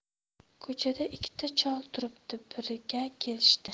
ko'chada ikkita chol turibdi birga kelishdi